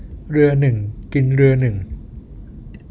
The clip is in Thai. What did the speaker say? เรือหนึ่งกินเรือหนึ่ง